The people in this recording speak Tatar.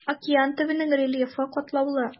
Океан төбенең рельефы катлаулы.